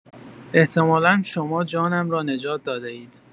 احتمالا شما جانم را نجات داده‌اید.